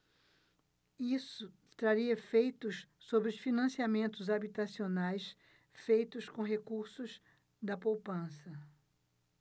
isso traria efeitos sobre os financiamentos habitacionais feitos com recursos da poupança